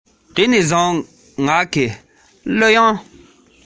ཁྲོད དུ མེ ཏོག གི མཛེས སྡུག ལ